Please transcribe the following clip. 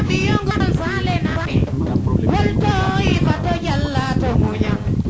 coté nduupa tin ne